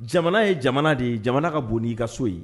Jamana ye jamana de ye jamana ka bon'i ka so ye